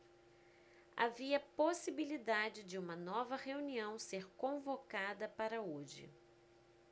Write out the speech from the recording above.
havia possibilidade de uma nova reunião ser convocada para hoje